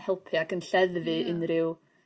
helpu ag yn lleddfu... Ia. ...unrhyw